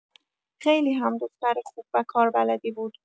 خیلی هم دختر خوب و کاربلدی بود.